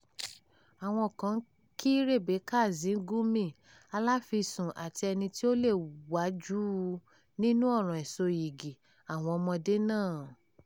Àwọn kan kí Rebeca Z. Gyumi, aláfisùn àti ẹni tí ó lé wájú nínú ọ̀ràn ìsoyìgì àwọn ọmọdé náà.